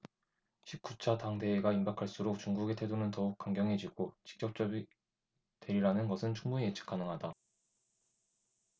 십 구 차 당 대회가 임박할수록 중국의 태도는 더욱 강경해지고 직접적이 되리리라는 것은 충분히 예측 가능하다